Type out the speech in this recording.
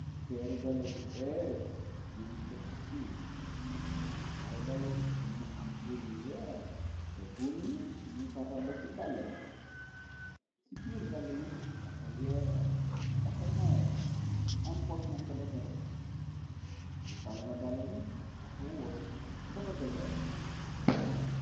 Peere dala bu ees ñun ko teg ci suuf, peere dala wi ni nga am buumi weex, ta buum yi ñun ka rabba ci dala yi, ci biir dala yi dafa weex, te dafa nooy emposnen ko defare, ci tallina dala bi dafa woow te dafa dëgar.